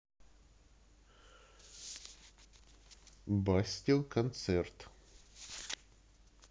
бастил концерт